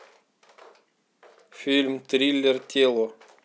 фильм триллер тело